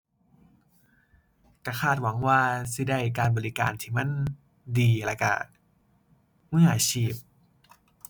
ก็คาดหวังว่าสิได้การบริการที่มันดีแล้วก็มืออาชีพ